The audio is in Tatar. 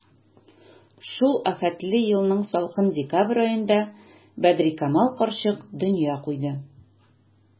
Шул афәтле елның салкын декабрь аенда Бәдрикамал карчык дөнья куйды.